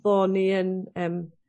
bo' ni yn yym